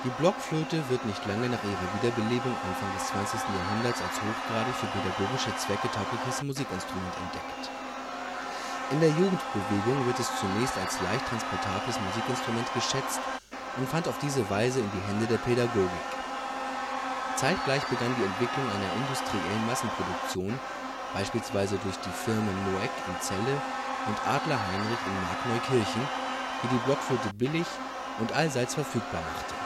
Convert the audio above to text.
Blockflöte wird nicht lange nach ihrer Wiederbelebung Anfang des 20. Jahrhunderts als hochgradig für pädagogische Zwecke taugliches Musikinstrument entdeckt. In der Jugendbewegung wird es zunächst als leicht transportables Musikinstrument geschätzt und fand auf diese Weise in die Hände der Pädagogik. Zeitgleich begann die Entwicklung einer industriellen Massenproduktion, beispielsweise durch die Firmen Moeck in Celle und Adler-Heinrich in Markneukirchen, die die Blockflöte billig und allseits verfügbar machte